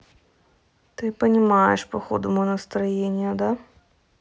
ты понимаешь мое настроение по ходу да